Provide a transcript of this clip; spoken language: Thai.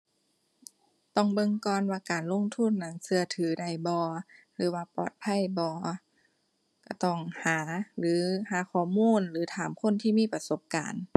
ต้องเบิ่งก่อนว่าการลงทุนนั้นเชื่อถือได้บ่ หรือว่าปลอดภัยบ่ ก็ต้องหา หรือหาข้อมูล หรือถามคนที่มีประสบการณ์